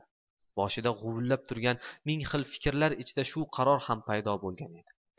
boshida g'uvillab turgan ming xil fikrlar ichida shu qaror ham paydo bo'lgan edi